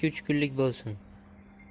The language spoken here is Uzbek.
uch kunlik bo'lsin